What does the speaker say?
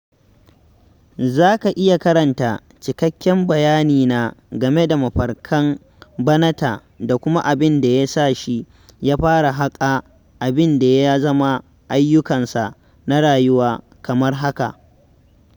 Za ka iya karanta cikakken bayanina game da mafarkan Banatah da kuma abin da ya sa shi ya fara haƙa abin da ya zama ayyukansa na rayuwa kamar haka: